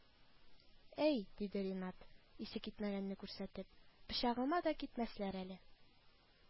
- әй, - диде ринат, исе китмәгәнне күрсәтеп, - пычагыма да китмәсләр әле